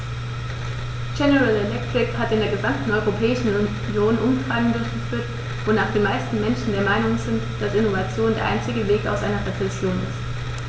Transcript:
General Electric hat in der gesamten Europäischen Union Umfragen durchgeführt, wonach die meisten Menschen der Meinung sind, dass Innovation der einzige Weg aus einer Rezession ist.